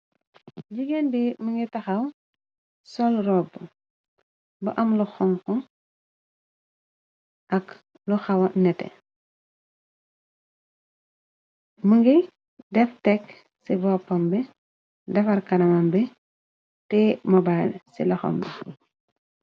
Jigéen bi mënga tahaw sol rob bu am lu honku ak lu hawa nete. Më ngi def tekk ci boppam bi, defar kanaman bi tè mobile ci loham bi.